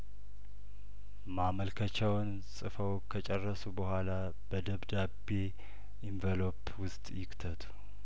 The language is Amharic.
ማመልከቻዎን ጽፈው ከጨረሱ በኋላ በደብዱቤ ኤንቬሎኘ ውስጥ ይክተቱ